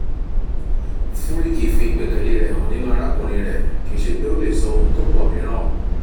Furyk fi ìgbẹ́kẹ̀lé rẹ̀ hàn nínú arákùnrin rẹ, kìíṣe pé ó le sọ ohun tó pọ̀ míràn.